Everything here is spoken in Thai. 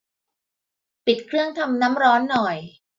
ปิดเครื่องทำร้อนหน่อย